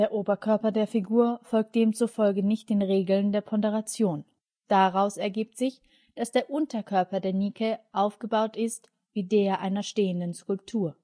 Oberkörper der Figur folgt demzufolge nicht den Regeln der Ponderation. Daraus ergibt sich, dass der Unterkörper der Nike aufgebaut ist wie der einer stehenden Skulptur